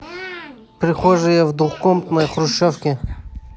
прихожие в двухкомнатной хрущевке